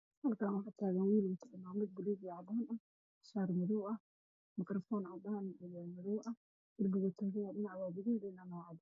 Meshaan waxaa taagan wiil wata cimaamad buluug ah iyo makaroofan cadaan ah